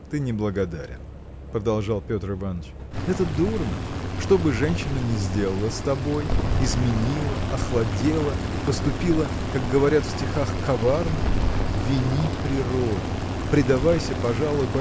– Ты неблагодарен, – продолжал Петр Иваныч, – это дурно! Что бы женщина ни сделала с тобой изменила охладела поступила как говорят в стихах коварно – вини природу предавайся пожалуй